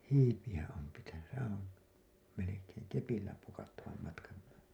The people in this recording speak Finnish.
hiipiä on pitänyt sehän on melkein kepillä pukattavan matkan